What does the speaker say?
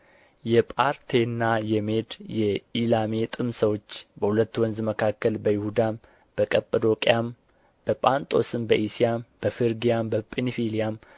የጳርቴና የሜድ የኢላሜጤም ሰዎች በሁለት ወንዝም መካከል በይሁዳም በቀጰዶቅያም በጳንጦስም በእስያም በፍርግያም በጵንፍልያም